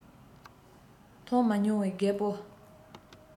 མཐོང མ མྱོང བའི རྒད པོ